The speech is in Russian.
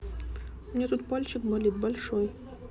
у меня тут пальчик болит большой